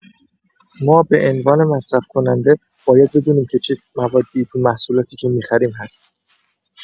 ما به عنوان مصرف‌کننده باید بدونیم که چه موادی تو محصولاتی که می‌خریم هست.